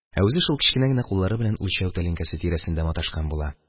Ә үзе шул кечкенә генә куллары белән үлчәү тәлинкәсе тирәсендә маташкан була.